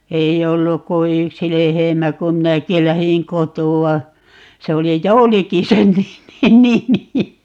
ei ollut kuin yksi lehmä kun minäkin lähdin kotoa se oli Jouliki sen nimi nimi